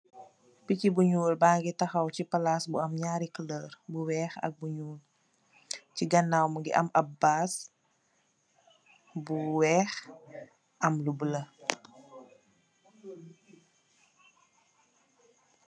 Picci bu ñuul ba'ngi taxaw ci palas bu am ñaari kulor bu wèèx ak bu ñuul. Ci ganaw mugii am baas bu wèèx am lu bula.